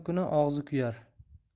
kuni og'zi kuyar